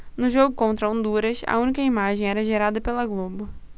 no jogo contra honduras a única imagem era gerada pela globo